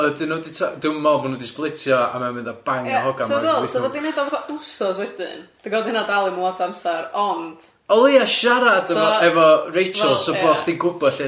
O'dd o'n nw wedi t- dwi'm yn meddwl bo' nw wedi splitio a mae o'n mynd a bangio hogan Ie ti'n gweld so... O'dd o di'n meddwl fatha wsos wedyn, ti'n gwbod hynna'n dal ddim mewn lot o amser ond... Oleia siarad efo efo Rachael so bo' chdi'n gwbo